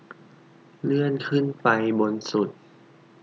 เลื่อนขึ้นไปบนสุด